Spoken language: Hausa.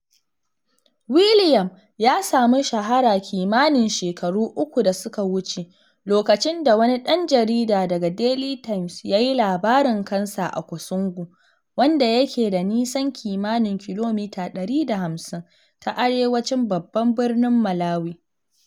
William ya samu shahara kimanin shekaru uku da suka wuce lokacin da wani ɗan jarida daga Daily Times ya yi labarin kansa a Kasungu, wanda yake da nisan kimanin kilomita 150 ta arewacin babban birnin Malawi.